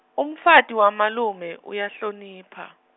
umfati wamalume uyahlonipha.